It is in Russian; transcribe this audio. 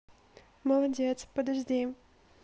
молодец подожди